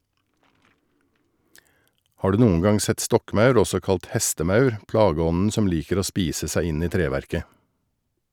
Har du noen gang sett stokkmaur, også kalt hestemaur, plageånden som liker å spise seg inn i treverket?